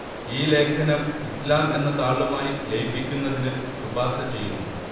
ഈ ലേഖനം ഇസ്ലാം എന്ന താളുമായി ലയിപ്പിക്കുന്നതിന് ശുപാർശ ചെയ്യുന്നു